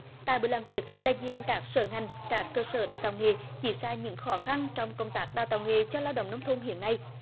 tại buổi làm việc đại diện các sở ngành các cơ sở đào tạo nghề chỉ ra những khó khăn trong công tác đào tạo nghề cho lao động nông thôn hiện nay